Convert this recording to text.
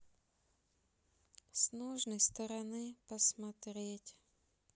с нужной стороны посмотреть